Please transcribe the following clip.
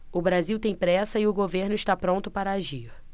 o brasil tem pressa e o governo está pronto para agir